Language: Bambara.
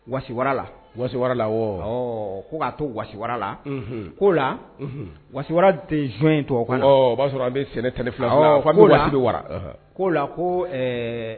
Wawa la wa wara la ko k ka to wawa la koo la wawa tɛ z in tɔgɔ o b'a sɔrɔ a bɛ sɛnɛ tɛ fila bɛ wara' la ko